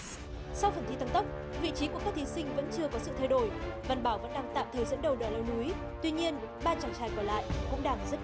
sau phần thi tăng tốc vị trí của các thí sinh vẫn chưa có sự thay đổi văn bảo vẫn đang tạm thời dẫn đầu đoàn leo núi tuy nhiên ba chàng trai còn lại cũng đang rất